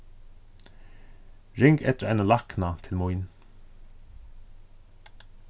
ring eftir einum lækna til mín